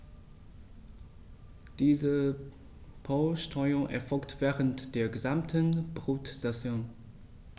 Diese Polsterung erfolgt während der gesamten Brutsaison.